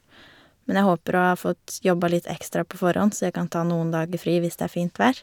Men jeg håper å ha fått jobba litt ekstra på forhånd så jeg kan ta noen dager fri hvis det er fint vær.